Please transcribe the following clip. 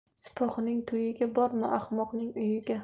sipohining to'yiga borma ahmoqning uyiga